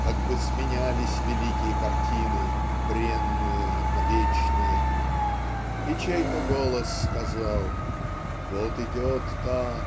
как бы сменялись великие картины бренные на вечные и чей-то голос сказал "Вот идет та